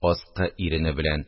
Аскы ирене белән